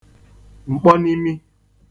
m̀kpọnimi